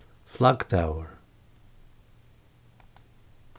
flaggdagur